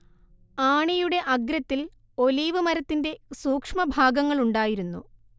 ആണിയുടെ അഗ്രത്തിൽ ഒലീവ് മരത്തിന്റെ സൂക്ഷ്മഭാഗങ്ങളുണ്ടായിരുന്നു